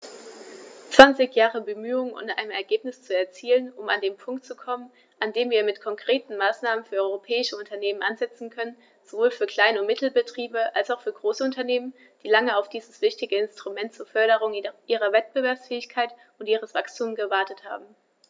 Zwanzig Jahre Bemühungen, um ein Ergebnis zu erzielen, um an den Punkt zu kommen, an dem wir mit konkreten Maßnahmen für europäische Unternehmen ansetzen können, sowohl für Klein- und Mittelbetriebe als auch für große Unternehmen, die lange auf dieses wichtige Instrument zur Förderung ihrer Wettbewerbsfähigkeit und ihres Wachstums gewartet haben.